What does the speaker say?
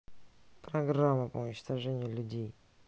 программа по уничтожению людей